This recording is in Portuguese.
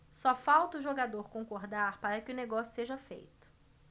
só falta o jogador concordar para que o negócio seja feito